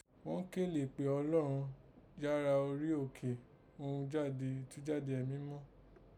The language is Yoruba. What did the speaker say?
Ghọ́n kélè kpè Ọlọ́run ni yàrá orígho òkè ghún ìtújáde Ẹ̀mí mímọ́